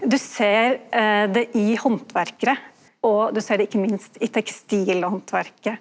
du ser det i handtverkarar og du ser det ikkje minst i tekstilhandtverkarar.